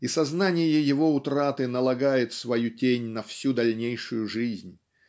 И сознание его утраты налагает свою тень на всю дальнейшую жизнь.